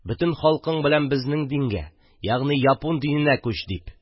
Бөтен халкың белән безнең дингә, ягъни япун диненә күч дип.